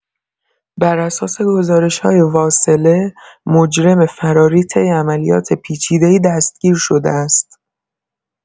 بر اساس گزارش‌های واصله، مجرم فراری طی عملیات پیچیده‌ای دستگیر شده است.